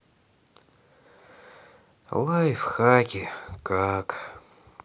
лайфхаки как